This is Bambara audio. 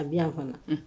A bɛ' kɔnɔ